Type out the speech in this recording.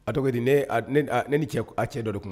Atogri di ne ne ni cɛ a cɛ dɔ de kun